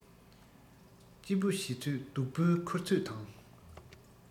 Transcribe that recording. སྐྱིད པོ བྱེད ཚོད སྡུག པོའི འཁུར ཚོད དང